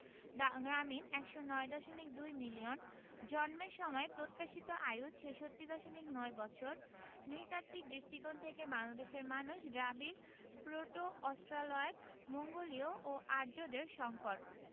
the গ্রামীণ ১০৯দশমিক ২ million জন্মের সময় প্রত্যাশিত আয়ু ৬৬দশমিক ৯ বৎসর নৃতাত্ত্বিক দৃষ্টিকোণ থেকে বাংলাদেশের মানুষ দ্রাবিড় প্রোটো অস্ট্রালয়েড মঙ্গোলীয় ও আর্যদের সংকর